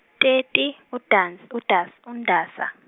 thirty udas- udas- uNdasa.